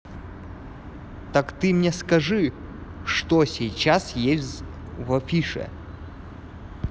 так ты мне скажи что сейчас есть в афише